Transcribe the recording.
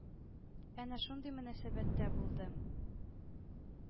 Әнә шундый мөнәсәбәттә булды.